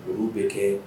Olu bɛ kɛ